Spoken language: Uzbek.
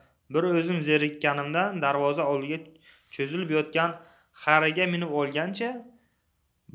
bir o'zim zerikkanimdan darvoza oldida cho'zilib yotgan xariga minib olgancha